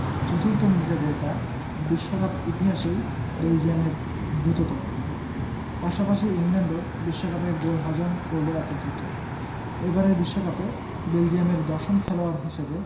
চতুর্থ মিনিটে গোলটা বিশ্বকাপ ইতিহাসেই বেলজিয়ামের দ্রুততম পাশাপাশি ইংল্যান্ডও বিশ্বকাপে গোল হজম করল এত দ্রুত এবারের বিশ্বকাপে বেলজিয়ামের দশম খেলোয়াড় হিসেবে